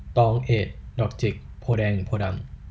ตองเอดดอกจิกโพธิ์แดงโพธิ์ดำ